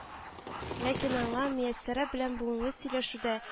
Ләкин аңа Мияссәрә белән бүгенге сөйләшүдә